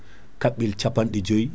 kaɓɓel capanɗe joyyi